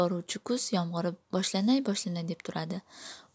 boruvchi kuz yomg'iri boshlanay boshlanay deb turadi